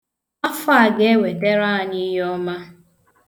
Afọ a ga-ewetara anyị ihe ọma.